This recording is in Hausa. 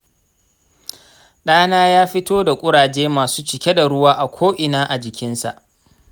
ɗana ya fito da kuraje masu cike da ruwa a ko'ina a jikinsa.